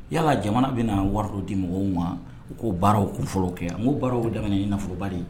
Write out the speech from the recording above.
Yalala jamana bɛna na wariro di mɔgɔw ma u ko baarawfɔlɔ kɛ nka ko baaraw ye jamana in nafolooroba de ye